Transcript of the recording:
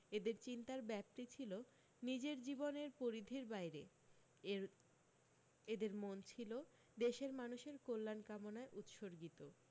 এদের চিন্তার ব্যাপ্তি ছিল নিজের জীবনের পরিধির বাইরে এর এদের মন ছিল দেশের মানুষের কল্যান কামনায় উৎসর্গিত